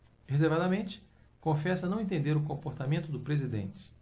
reservadamente confessa não entender o comportamento do presidente